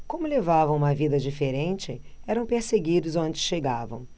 como levavam uma vida diferente eram perseguidos onde chegavam